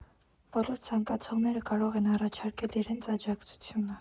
Բոլոր ցանկացողները կարող են առաջարկել իրենց աջակցությունը։